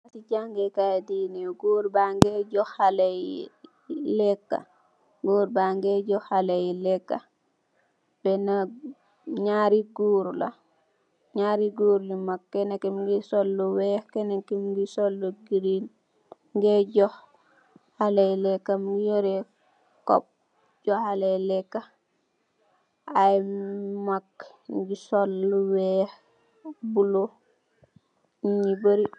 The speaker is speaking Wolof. Fii amb Jan ngee kaye la nyerri goor la kene kii mougui johk halleyi lekka